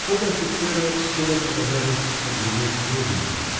Оба офицера скоро показались под его сводами